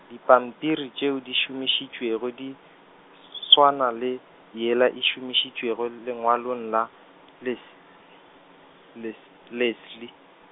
dipampiri tšeo di šomišitšego di, swana le, yela e šomišitšego lengwalong la, les-, les-, Leslie.